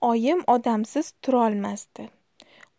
oyim odamsiz turolmasdi